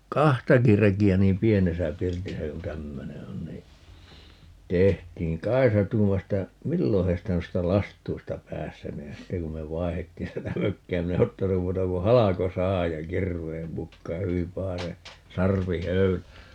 kahtakin rekeä niin pienessä pirtissä kun tämmöinen on niin tehtiin Kaisa tuumasi että milloin heistä noista lastuista päästäneen sitten kun me vaihdettiin sitä mökkiä minä en ottanut muuta kuin halkosahan ja kirveen mukaan hyvin pahaisen sarvihöylän